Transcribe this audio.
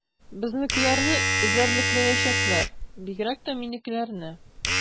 Безнекеләрне эзәрлекләячәкләр, бигрәк тә минекеләрне.